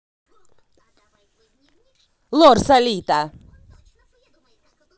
лор салита